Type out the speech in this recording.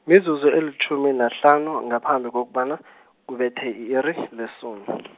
mizuzu elitjhumi nahlanu, ngaphambi kokubana, kubethe i-iri , lesumi .